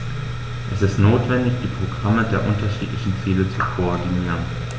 Es ist notwendig, die Programme der unterschiedlichen Ziele zu koordinieren.